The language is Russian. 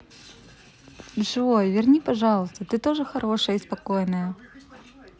джой верни пожалуйста ты тоже хорошая и спокойная